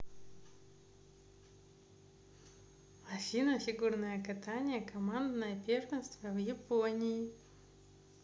афина фигурное катание командное первенство в японии